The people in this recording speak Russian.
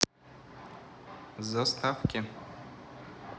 заставки